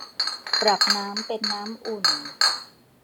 ปรับน้ำเป็นน้ำอุ่น